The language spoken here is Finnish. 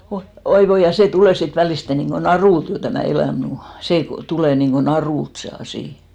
oi oi voi ja se tulee sitten välisti niin kuin narulta jo tämä elämä - se tulee niin kuin narulta se asia